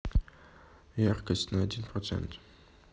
яркость на один процент